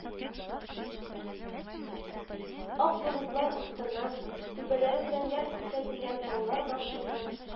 Ак болытлар астыннан, түбәләре зәңгәр күккә тигән таулар башыннан